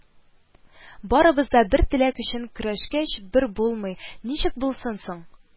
Барыбыз да бер теләк өчен көрәшкәч, бер булмый, ничек булсын соң